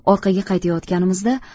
orqaga qaytayotganimizda